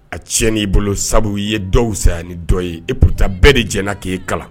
A tiɲɛn'i bolo sabu ye dɔw saya ni dɔ ye epta bɛɛ de j k'i kala kalan